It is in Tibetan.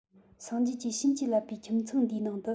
སངས རྒྱས ཀྱི བྱིན གྱིས བརླབས པའི ཁྱིམ ཚང འདིའི ནང དུ